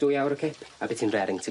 Dwy awr o cip, a by ti'n raring to go.